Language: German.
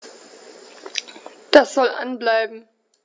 Das soll an bleiben.